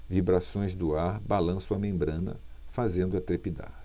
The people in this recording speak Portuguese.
vibrações do ar balançam a membrana fazendo-a trepidar